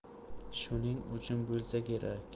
shuning uchun bo'lsa kerak